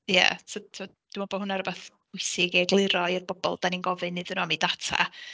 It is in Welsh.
Ia, so tibod dwi'n meddwl bo' hwnna'n rywbeth pwysig i egluro i'r bobl dan ni'n gofyn iddyn nhw am eu data.